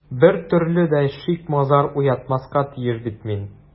Бер төрле дә шик-мазар уятмаска тиеш бит мин...